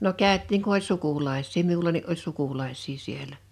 no käytiin kun oli sukulaisia minullakin oli sukulaisia siellä